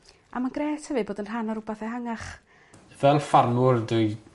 A ma'n grêt hefyd bod yn rhan o rwbath ehangach. Fel ffarmwr dwi